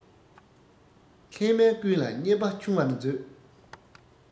མཁས དམན ཀུན ལ བརྙས པ ཆུང བར མཛོད